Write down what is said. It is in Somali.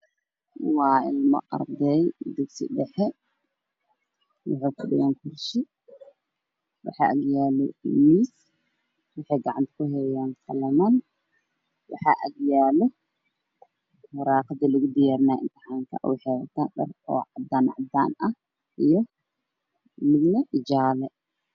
Waa ilmo arday dugsi dhexe waxaa dhax yaalo miis waxa ay gacanta ku hayaan warqadihi imtaxaan ka